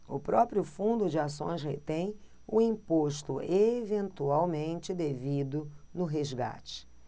o próprio fundo de ações retém o imposto eventualmente devido no resgate